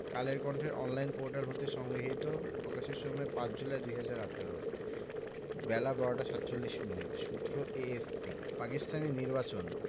কালের কন্ঠের online portal হতে সংগৃহীত প্রকাশের সময় ৫ জুলাই ২০১৮ বেলা ১২টা ৪৭ মিনিট সূত্র এএফপি পাকিস্তানে নির্বাচন